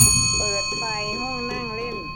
เปิดไฟห้องนั่งเล่น